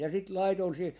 ja sitten laitoin siihen